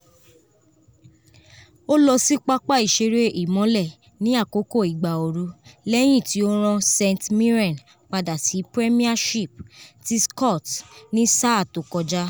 O lọsi papa iṣere Imọlẹ ni akoko igba oru lẹhin ti o ran St Mirren pada si Premiership ti Scot ni saa to kọja.